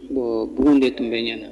Bon kun de tun bɛ ɲɛna